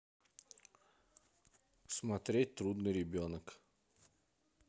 смотреть трудный ребенок